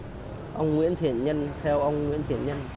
ông nguyễn thiện nhân theo ông nguyễn thiện nhân